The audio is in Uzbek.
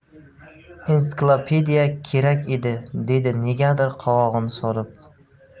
ensiklopediya kerak edi dedi negadir qovog'ini solib